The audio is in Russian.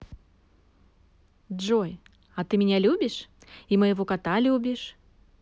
джой а ты меня любишь и моего кота любишь